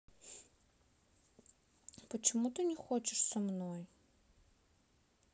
почему ты не хочешь со мной